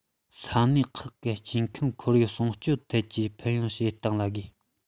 ས གནས ཁག གི སྐྱེ ཁམས ཁོར ཡུག སྲུང སྐྱོང ཐད ཀྱི ཕན ཡོད བྱེད སྟངས ལ དགོས